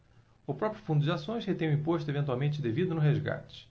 o próprio fundo de ações retém o imposto eventualmente devido no resgate